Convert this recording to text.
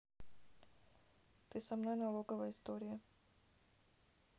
ты со мной налоговая история